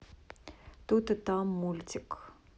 тут и там мультик